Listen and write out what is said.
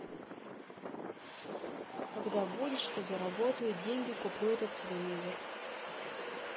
когда будет что заработают деньги куплю этот телевизор